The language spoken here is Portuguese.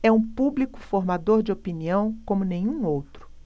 é um público formador de opinião como nenhum outro